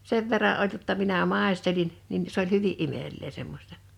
sen verran oli jotta minä maistelin niin se oli hyvin imelää semmoista